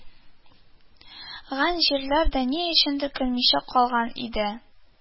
Гән җирләр дә ни өчендер кермичә калган иде